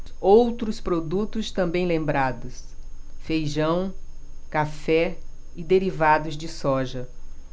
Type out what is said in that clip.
outros produtos também lembrados feijão café e derivados de soja